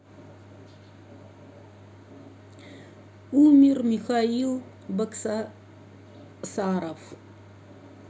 умер михаил багдасаров